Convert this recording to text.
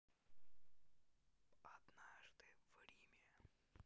однажды в риме